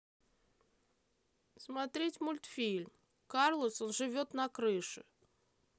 смотреть мультфильм карлсон живет на крыше